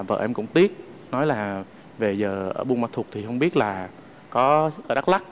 vợ em cũng tiếc nói là về giờ ở buôn ma thuột thì hổng biết là có ở đắc lắc